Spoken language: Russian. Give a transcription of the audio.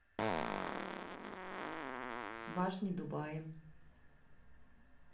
башни дубаи